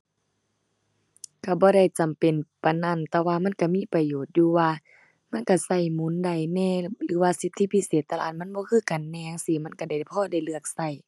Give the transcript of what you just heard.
ก็บ่ได้จำเป็นปานนั้น แต่ว่ามันก็มีประโยชน์อยู่ว่า มันก็ก็หมุนได้แหน่หรือว่าสิทธิพิเศษแต่ละอันมันบ่คือกันแหน่จั่งซี้ มันก็ได้ พอได้เลือกก็